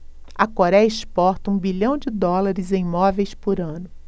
a coréia exporta um bilhão de dólares em móveis por ano